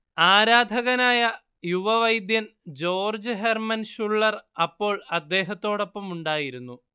ആരാധകനായ യുവവൈദ്യൻ George Hermann Schuller അപ്പോൾ അദ്ദേഹത്തോടൊപ്പമുണ്ടായിരുന്നു